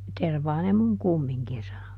tervaa ne minun kumminkin sanoi